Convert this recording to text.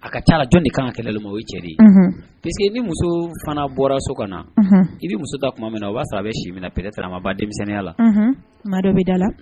A ka caala, jɔnni de ka kan kɛ naloma ye o ye cɛ de ye. Unhun, puis que ni muso fana bɔra so kɔnɔ, i bɛ muso ta tuma min na ,o b'a sɔrɔ a bɛ si min na peut être a ma ban denmisɛninya la, unhun, maa dɔ bɛ da la